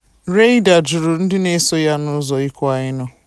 Reyder jụrụ ndị na-eso ya n'ụzọ ịkwa emo.